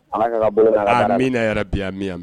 Min yɛrɛ bi min mɛn